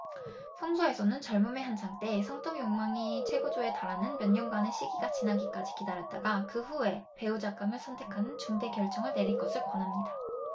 따라서 성서에서는 젊음의 한창때 성적 욕망이 최고조에 달하는 몇 년간의 시기 가 지나기까지 기다렸다가 그 후에 배우잣감을 선택하는 중대 결정을 내릴 것을 권합니다